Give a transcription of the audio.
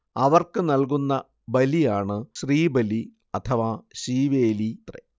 അവർക്ക് നൽകുന്ന ബലിയാണ് ശ്രീബലി അഥവാ ശീവേലി